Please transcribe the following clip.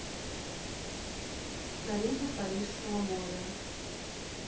карибы парижского моря